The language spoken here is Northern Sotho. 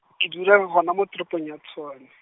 ke dula gona mo toropong ya Tshwane.